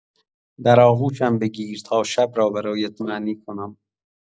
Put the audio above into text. در آغوشم بگیر تا شب را برایت معنی کنم.